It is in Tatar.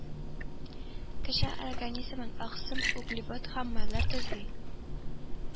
Кеше организмын аксым, углевод һәм майлар төзи